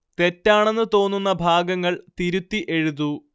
തെറ്റാണെന്ന് തോന്നുന്ന ഭാഗങ്ങൾ തിരുത്തി എഴുതൂ